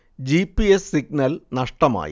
ജീ. P. S. Signal നഷ്ടമായി